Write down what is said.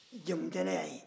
jemutɛnɛ y'a ye